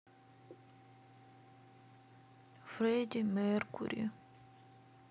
фредди меркюри